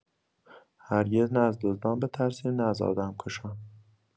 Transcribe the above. هرگز نه از دزدان بترسیم، نه از آدمکشان.